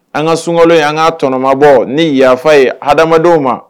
An ŋa suŋalɔ in an ŋ'a tɔnɔmabɔ ni yafa ye hadamadenw ma